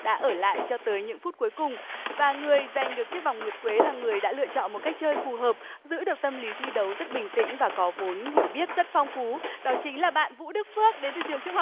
đã ở lại cho tới những phút cuối cùng và người giành được chiếc vòng nguyệt quế là người đã lựa chọn một cách chơi phù hợp giữ được tâm lý thi đấu rất bình tĩnh và có vốn hiểu biết rất phong phú đó chính là bạn vũ đức phước đến từ trường trung học